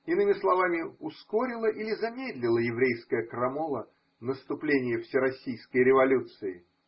Иными словами: ускорила или замедлила еврейская крамола наступление всероссийской революции?